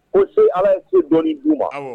Ko se ala ye se dɔnɔni' u ma